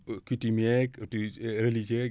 coutumier autori religieux yeeg